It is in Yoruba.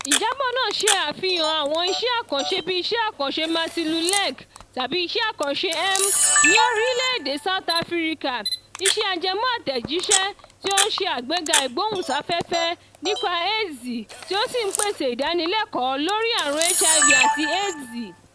Ìjábọ̀ náà ṣe àfihàn àwọn iṣẹ́ àkànṣe bíi Iṣẹ́ Àkànṣe Masiluleke (tàbí Iṣẹ́ Àkànṣe M) ní orílẹ̀ èdè South Africa, iṣẹ́ ajẹmọ́ àtẹ̀jíṣẹ́ tí ó ń ṣe àgbéga ìgbóhùnsáfẹ́fẹ́ nípa AIDS tí ó sì ń pèsè ìdánilẹ́kọ̀ọ́ lórí àrùn HIV/AIDS.